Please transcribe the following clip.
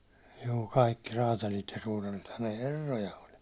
juu kaikki räätälit ja suutarithan ne herroja oli